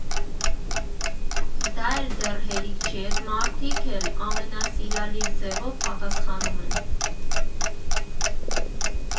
Դա էլ դեռ հերիք չի, էդ մարդիկ էլ ամենասիրալիր ձևով պատասխանում են։